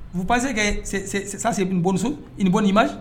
Futa panse ka sase bɔnso nin bɔ ninba